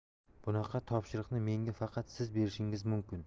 bunaqa topshiriqni menga faqat siz berishingiz mumkin